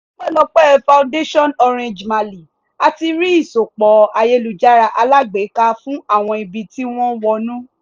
Ọpẹ́lọpẹ́ Fondation Orange Mali, a ti rí ìsopọ̀ Ayélujára alágbèéká fún àwọn ibi tí wọ́n wọnú.